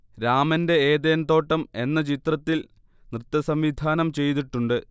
രാമന്റെ ഏദൻതോട്ടം എന്ന ചിത്രത്തിൽ നൃത്തസംവിധാനം ചെയ്തിട്ടുണ്ട്